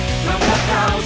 nào